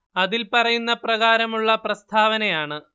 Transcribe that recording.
അതില്‍ പറയുന്ന പ്രകാരമുള്ള പ്രസ്താവനയാണ്